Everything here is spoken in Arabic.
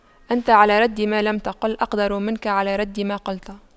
أنت على رد ما لم تقل أقدر منك على رد ما قلت